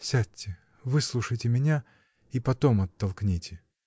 Сядьте, выслушайте меня и потом оттолкните!